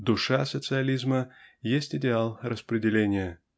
душа социализма есть идеал распределения